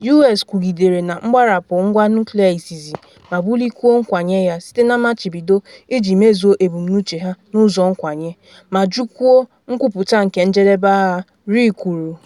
“U.S kwụgidere na “mgbarapụ ngwa nuklịa-izizi” ma bulikwuo nkwanye ya site na mmachibido iji mezuo ebumnuche ha n’ụzọ nkwanye, ma jụkwuo “nkwuputa nke njedebe agha” Ri kwuru.